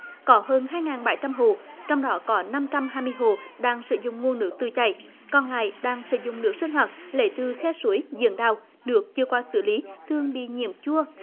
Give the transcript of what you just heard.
có hơn hai ngàn bảy trăm hộp trong đó có năm trăm hai mươi hộ đang sử dụng nguồn nước tự chảy còn ngày đang sử dụng nước sinh hoạt lấy từ khe suối giếng đào được chưa qua xử lý thường bị nhiễm chua phèn